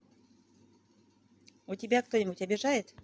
у тебя кто нибудь обижает